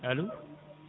allo